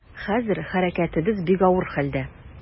Хәзер хәрәкәтебез бик авыр хәлдә.